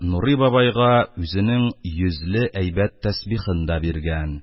Нурый бабайга үзенең йөзле әйбәт тәсбихен дә биргән.